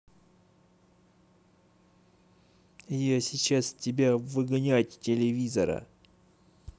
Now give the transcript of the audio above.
я сейчас тебя выгонять телевизора